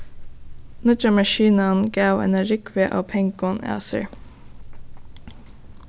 nýggja maskinan gav eina rúgvu av pengum av sær